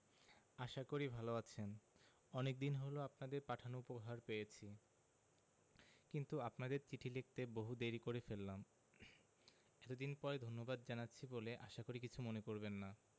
আশা করি ভালো আছেন অনেকদিন হল আপনাদের পাঠানো উপহার পেয়েছি কিন্তু আপনাদের চিঠি লিখতে বহু দেরী করে ফেললাম এতদিন পরে ধন্যবাদ জানাচ্ছি বলে আশা করি কিছু মনে করবেন না